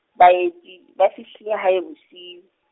baeti, ba fihlile hae bosiu.